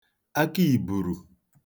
àkịị̀bùrù